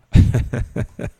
Ɛɛ